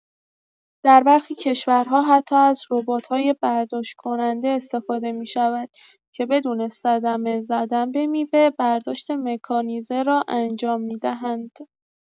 در برخی کشورها حتی از روبات‌های برداشت‌کننده استفاده می‌شود که بدون صدمه زدن به میوه، برداشت مکانیزه را انجام می‌دهند.